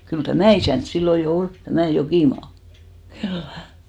kyllä tämä isäntä silloin jo oli tämä Jokimaa kyllä